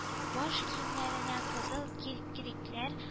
Баш киемнәренә кызыл кикрикләр